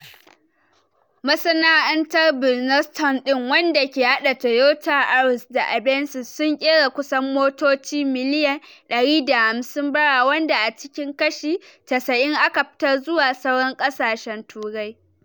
Masana’antar Burnaston din - wanda ke hada Toyota Auris da Avensis - sun kera kusan motoci 150,000 bara wanda a ciki kashi 90 aka fitar zuwa sauran kasashen Turai.